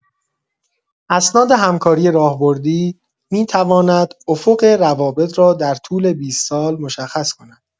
اسناد همکاری راهبردی می‌تواند افق روابط را در طول ۲۰ سال مشخص کند.